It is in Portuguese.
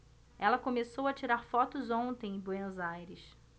ela começou a tirar fotos ontem em buenos aires